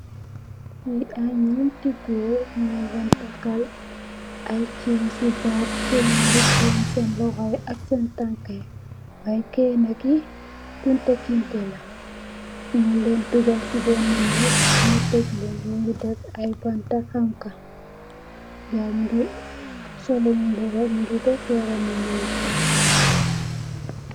Li ay nyeenti goor nyun len takal ay cxain si baat bi cxain sen loxo yi ak sen tanka yi y kena ki Kunta Kinteh nyun len tedal si béna neeg nyu teg len nyui tek banta xanxa ngugi solun mbuba nyugi def yarami neen.